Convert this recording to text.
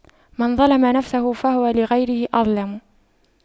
من ظَلَمَ نفسه فهو لغيره أظلم